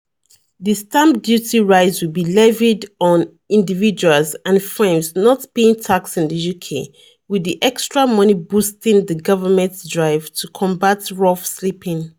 The stamp duty rise will be levied on individuals and firms not paying tax in the UK, with the extra money boosting the Government's drive to combat rough sleeping.